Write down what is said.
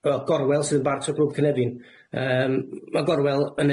wel Gorwel sydd yn bart o Grŵp Cynefin yym ma' gorwel yn